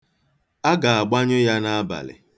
A ga-agbanyụ ya n'abalị.